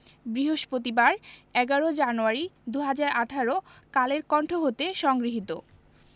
বৃহস্পতিবার ১১ জানুয়ারি ২০১৮ কালের কন্ঠ হতে সংগৃহীত